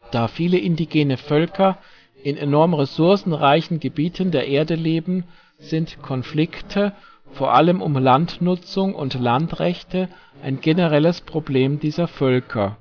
Da viele indigene Völker in enorm ressourcenreichen Gebieten der Erde leben, sind Konflikte, v.a. um Landnutzung und - rechte, ein generelles Problem dieser Völker